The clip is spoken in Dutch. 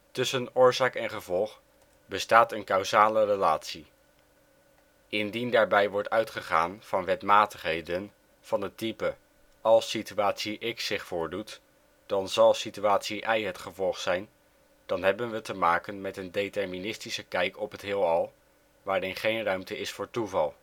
Tussen oorzaak en gevolg bestaat een causale relatie. Indien daarbij uitgegaan wordt van wetmatigheden van het type als [situatie X] zich voordoet dan zal [situatie Y] het gevolg zijn dan hebben we te maken met een deterministische kijk op het heelal waarin geen ruimte is voor toeval